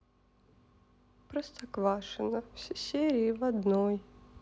простоквашино все серии в одной